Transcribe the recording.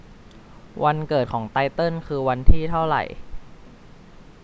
วันเกิดของไตเติ้ลคือวันที่เท่าไร